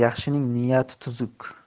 yaxshining niyati tuzuk